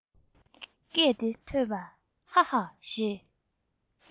སྐད དེ ཐོས པ ན ཧ ཧ ཞེས